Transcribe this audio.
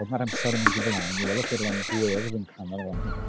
Fel mae'r amser yn mynd yn ei flaen mi welwch chi'r lein gwyrdd yn canol yn fan hyn.